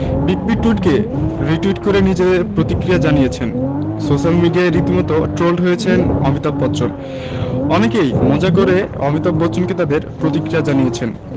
big বির টুইটকে retweet করে নিজেদের প্রতিক্রিয়া জানিয়েছেন সোশ্যাল মিডিয়ায় রীতিমতো ট্রোলড হয়েছেন অমিতাভ বচ্চন অনেকেই মজা করে অমিতাভ বচ্চনকে তাদের প্রতিক্রিয়া জানিয়েছেন